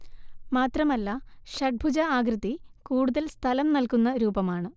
മാത്രമല്ല ഷഡ്ഭുജ ആകൃതി കൂടുതൽ സ്ഥലം നൽകുന്ന രൂപമാണ്